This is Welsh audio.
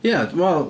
Ia, dwi'n meddwl...